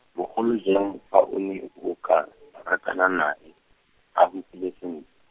bogolo jang fa o ne o ka , rakana nae, a hupile seni-.